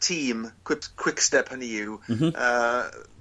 tîm Quip Quickstep hynny yw. M-hm. Yy.